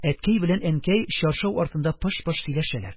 Әткәй белән әнкәй чаршау артында пыш-пыш сөйләшәләр.